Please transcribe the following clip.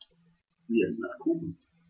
Mir ist nach Kuchen.